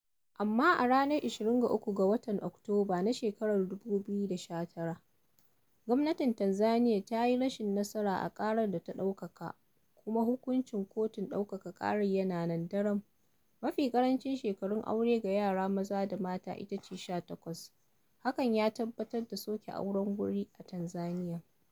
Amma a ranar 23 ga watan Oktoba na shekarar 2019, Gwmnatin Tanzaniyan ta yi rashin nasara a ƙarar da ta ɗaukaka, kuma hukuncin kotun ɗaukaka ƙara yana nan daram. Mafi ƙarancin shekarun aure ga yara maza da mata ita ce shekara 18, hakan ya tabbatar da soke auren wuri a Tanzaniyan.